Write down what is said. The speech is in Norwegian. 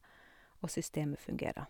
Og systemet fungerer.